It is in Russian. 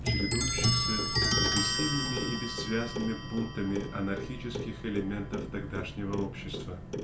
чередующихся с бессильными и бессвязными бунтами анархических элементов тогдашнего общества.